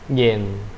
เย็น